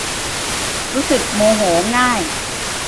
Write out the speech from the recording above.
รู้สึกโมโหง่าย